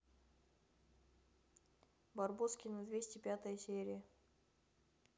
барбоскины двести пятая серия